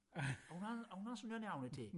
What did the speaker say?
O' wnna'n o' wnna'n swnio'n iawn i ti?